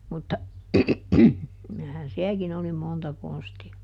mutta kyllähän sielläkin oli monta konstia